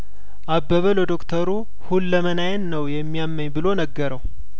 አበበ ለዶክተሩ ሁለመናዬን ነው የሚያመኝ ብሎ ነገረው